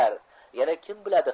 yana kim biladi